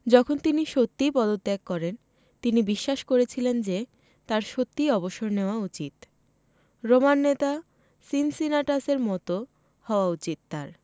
যখন তিনি সত্যিই পদত্যাগ করেন তিনি বিশ্বাস করেছিলেন যে তাঁর সত্যিই অবসর নেওয়া উচিত রোমান নেতা সিনসিনাটাসের মতো হওয়া উচিত তাঁর